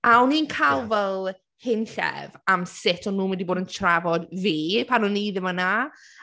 A o’n i’n cael fel hunllef am sut o'n nhw'n mynd i fod yn trafod fi pan o'n i ddim yna.